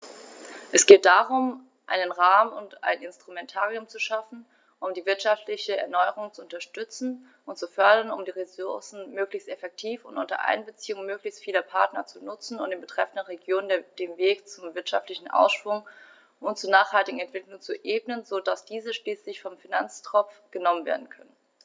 Es geht darum, einen Rahmen und ein Instrumentarium zu schaffen, um die wirtschaftliche Erneuerung zu unterstützen und zu fördern, um die Ressourcen möglichst effektiv und unter Einbeziehung möglichst vieler Partner zu nutzen und den betreffenden Regionen den Weg zum wirtschaftlichen Aufschwung und zur nachhaltigen Entwicklung zu ebnen, so dass diese schließlich vom Finanztropf genommen werden können.